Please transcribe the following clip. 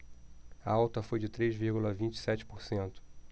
a alta foi de três vírgula vinte e sete por cento